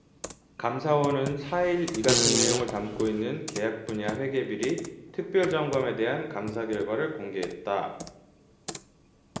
감사원은 사 일 이 같은 내용을 담고 있는 계약 분야 회계비리 특별점검에 대한 감사 결과를 공개했다